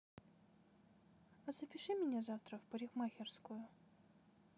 а запиши меня завтра в парикмахерскую